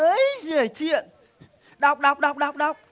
ấy giời chuyện đọc đọc đọc đọc đọc